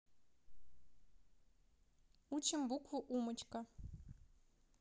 учим букву умочка